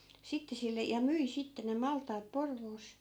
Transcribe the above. sitten sille ja myi sitten ne maltaat Porvoossa